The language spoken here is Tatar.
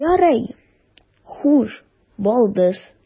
Ярый, хуш, балдыз.